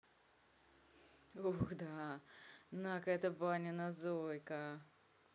ухда на ка это баня на зой ка